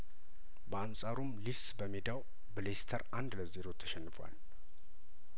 በአንጻሩም ሊድስ በሜዳው በሌይስተር አንድ ለዜሮ ተሸንፏል